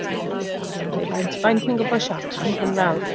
Sa i'n gwybod beth arall i gweud. Faint faint ni'n gorfod siarad am, hanner awr?